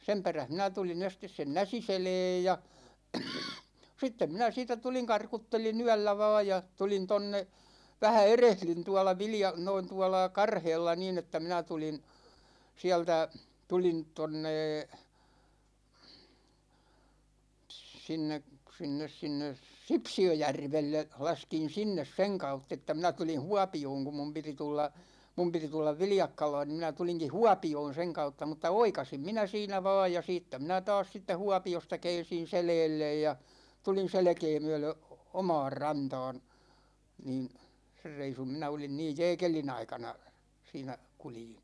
sen perässä minä tulin ensin sen Näsiselän ja sitten minä siitä tulin karkuttelin yöllä vain ja tulin tuonne vähän erehdyin tuolla - noin tuolla Karheella niin että minä tulin sieltä tulin tuonne sinne sinne sinne Sipsiöjärvelle laskin sinne sen kautta että minä tulin Huopioon kun minun piti tulla minun piti tulla Viljakkalaan niin minä tulinkin Huopioon sen kautta mutta oikaisin minä siinä vain ja siitä minä taas siitä Huopiosta käänsin selälle ja tulin selkää myöden omaan rantaan niin sen reissun minä olin niin jääkelin aikana siinä kuljin